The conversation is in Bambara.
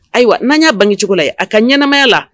Ayiwa n'a y'a bancogo ye a ka ɲɛnɛmaya la